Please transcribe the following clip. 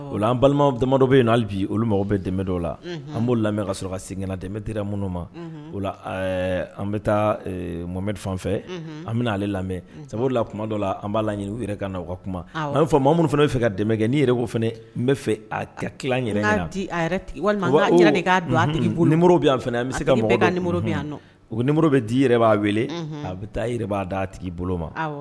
O balima damadɔ bɛ yen n' bi olu ma bɛ dɛmɛ dɔw la an' lamɛn ka sɔrɔ ka seginna dɛra minnu ma o an bɛ taa mɔmɛri fan fɛ an bɛ'ale lamɛn sababu la kuma dɔ la an b'a la ɲini u yɛrɛ ka naaw ka kuma a bɛ fɔ ma minnu fana' fɛ ka dɛmɛ kɛ n' yɛrɛ ko fana n bɛ fɛ a yɛrɛ tigi bɛ' an bɛ se ka u bɛ d di yɛrɛ b'a wele a bɛ taa yɛrɛ b' d a tigi bolo ma